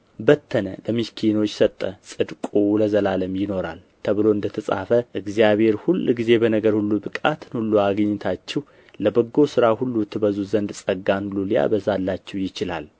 በተነ ለምስኪኖች ሰጠ ጽድቁ ለዘላለም ይኖራል ተብሎ እንደ ተጻፈ እግዚአብሔር ሁልጊዜ በነገር ሁሉ ብቃትን ሁሉ አግኝታችሁ ለበጎ ሥራ ሁሉ ትበዙ ዘንድ ጸጋን ሁሉ ሊያበዛላችሁ ይችላል